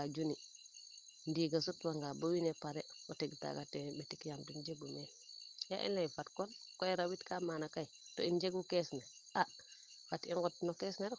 juuni ndiinga sutwa nga bo wiin we pare o teg taaga teemend mbetik yaam den njegu meen i leye fat kon ke o rawit kaa maana kay to in njegu caisse ne a fat i ngot no caisse ne rek